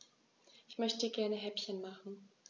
Ich möchte gerne Häppchen machen.